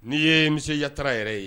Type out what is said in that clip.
N'i ye misiyata yɛrɛ ye